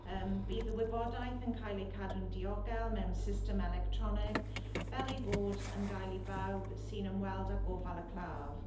Yym bydd y wybodaeth yn cael ei cadw'n diogel mewn system electronig fel ei bod yn gael i bawb sy'n ymweld â gofal y clâf.